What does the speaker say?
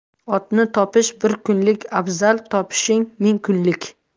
otni topish bir kunlik abzal topish ming kunlik